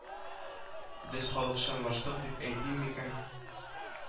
Без халыкчанлаштык дип әйтим микән